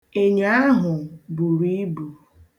Enyo ahụ buru ibu.